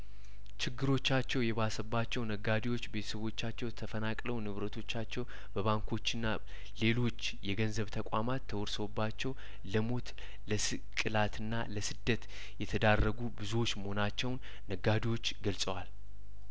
ችግሮቻቸው የባሰባቸው ነጋዴዎች ቤተሰቦቻቸው ተፈናቅለው ንብረቶቻቸው በባንኮችና ሌሎች የገንዘብ ተቋማት ተወርሰውባቸው ለሞት ለስቅላትና ለስደት የተዳረጉ ብዙዎች መሆናቸውን ነጋዴዎች ገልጸዋል